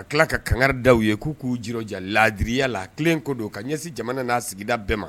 A tila ka kan da u ye k'u k'u jiraja lajibiya la tilelen ko don u ka ɲɛsin jamana n'a sigida bɛɛ ma